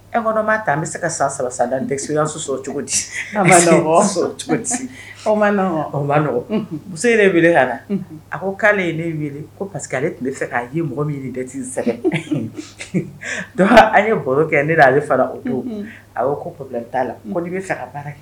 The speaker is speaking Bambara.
E kɔnɔ'a ta an bɛ se ka san sabasa dan tɛ se cogo di cogo di o ma n nɔgɔ muso wele ka na a ko k'ale ne weele ko parceseke ale tun bɛ fɛ k'a ye mɔgɔ min sɛgɛn an ye baro kɛ ne ale fara o don a' ko pbi t'a la ko de bɛ fɛ ka baara kɛ